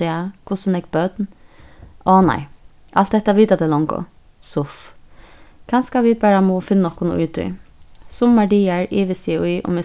dag hvussu nógv børn áh nei alt hetta vita tey longu suff kanska vit bara mugu finna okkum í tí summar dagar ivist eg í um eg